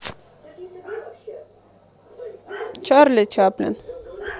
чарли чаплин